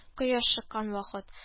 Кояш чыккан вакыт